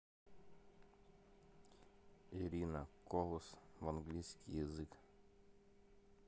ирина колос в английский язык